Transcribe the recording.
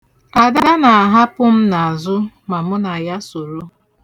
Ada na-ahapụ m n'azụ ma mụ na ya soro.